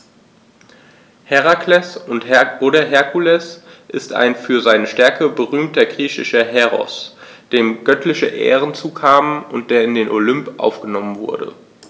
Herakles oder Herkules ist ein für seine Stärke berühmter griechischer Heros, dem göttliche Ehren zukamen und der in den Olymp aufgenommen wurde.